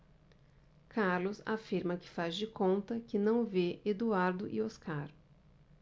carlos afirma que faz de conta que não vê eduardo e oscar